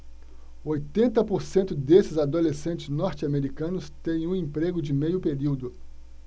oitenta por cento desses adolescentes norte-americanos têm um emprego de meio período